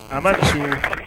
A ma tiɲɛ